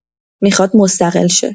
میخواد مستقل شه.